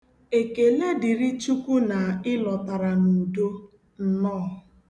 Ekele dịrị Chukwu na ị lọtara n'udo! Nnọọ.